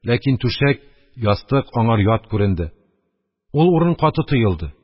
Ләкин түшәк, ястык аңар ят күренде; ул урын каты тоелды.